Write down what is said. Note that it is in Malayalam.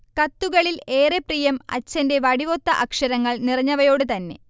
കത്തുകളിൽ ഏറെ പ്രിയം അച്ഛന്റെ വടിവൊത്ത അക്ഷരങ്ങൾ നിറഞ്ഞവയോട് തന്നെ